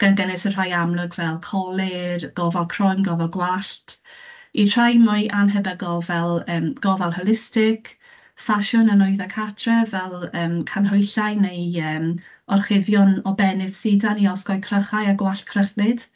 gan gynnwys y rhai amlwg fel colur, gofal croen, gofal gwallt, i rhai mwy anhebygol fel yym gofal holistig, ffasiwn a nwyddau catref fel, yym, canhwyllau neu yym orchuddion obennydd sidan i osgoi crychau a gwallt crychlyd.